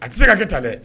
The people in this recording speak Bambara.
A tɛ se ka kɛ ta dɛ